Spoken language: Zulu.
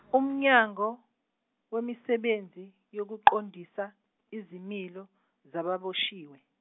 umnyango wemisebenzi yokuqondisa izimilo zababoshiwe.